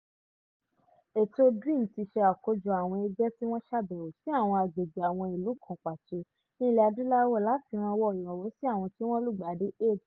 Ètò DREAM ti ṣe àkójọ àwọn ẹgbẹ́ tí wọ́n ṣàbẹ̀wò sí àwọn agbègbè àwọn ìlú kan pàtó ní ilẹ̀ adúláwò láti ranwọ́ ìrànwọ̀ sí àwọn tí wọ́n lùgbàdì AIDS.